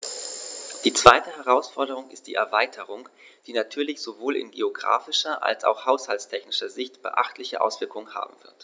Die zweite Herausforderung ist die Erweiterung, die natürlich sowohl in geographischer als auch haushaltstechnischer Sicht beachtliche Auswirkungen haben wird.